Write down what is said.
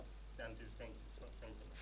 jant bi fenk na *